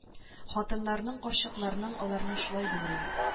Хатыннарның карчыкларның аларның шулай булыр инде